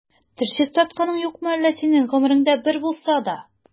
Теш чистартканың юкмы әллә синең гомереңдә бер булса да?